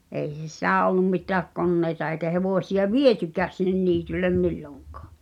ei ollut mitään koneita eikä hevosia vietykään sinne niitylle milloinkaan